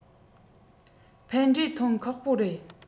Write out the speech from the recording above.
ཕན འབྲས ཐོན ཁག པོ རེད